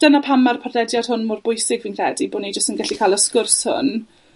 Dyna pam ma'r podlediad hwn mor bwysig, fi'n credu, bo' ni jyst yn gallu ca'l y sgwrs hwn.